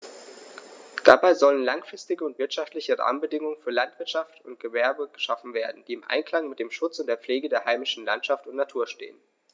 Dabei sollen langfristige und wirtschaftliche Rahmenbedingungen für Landwirtschaft und Gewerbe geschaffen werden, die im Einklang mit dem Schutz und der Pflege der heimischen Landschaft und Natur stehen.